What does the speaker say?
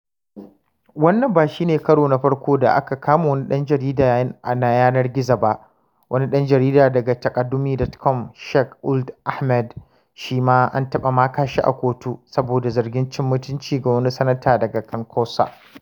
Wannan ba shi ne karo na farko da aka kama wani ɗan jarida na yanar gizo ba; wani ɗan jarida daga Taqadoumy.com, Cheikh Ould Ahmed, shi ma an taɓa maka shi a kotu saboda zargin cin mutunci ga wani Sanata daga Kankossa.